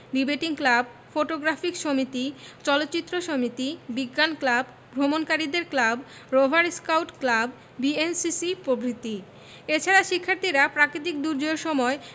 debating club photographic সমিতি চলচ্চিত্র সমিতি বিজ্ঞান ক্লাব ভ্রমণকারীদের club rover scout club BNCC পভৃতি এছাড়া শিক্ষার্থীরা প্রাকৃতিক দূর্যোগের সময়